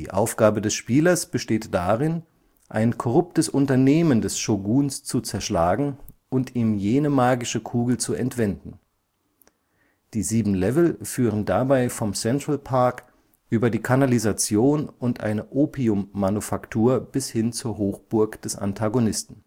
Aufgabe des Spielers besteht darin, ein korruptes Unternehmen des Shoguns zu zerschlagen und ihm jene magische Kugel zu entwenden. Die sieben Level führen dabei vom Central Park über die Kanalisation und eine Opiummanufaktur bis hin zur Hochburg des Antagonisten